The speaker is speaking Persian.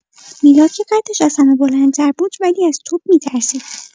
میلاد که قدش از همه بلندتر بود ولی از توپ می‌ترسید.